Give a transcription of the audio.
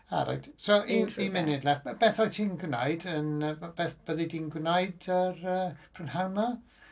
A right so un munud left. Beth wyt ti'n gwneud yn y... Beth fyddi di'n gwneud yr yy prynhawn yna?